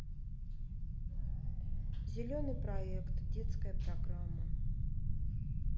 зеленый проект детская программа